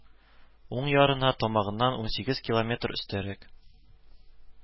Уң ярына тамагыннан унсигез километр өстәрәк